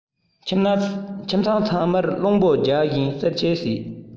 ཁྱིམ ཚང ཚང མར རླུང པོ རྒྱག བཞིན བསིལ ཆས བྱེད